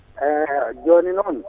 e joni noon